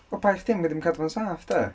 Wel bai chdi am ddim cadw fo'n saff 'de?